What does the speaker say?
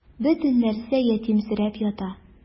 Бөтен нәрсә ятимсерәп тора.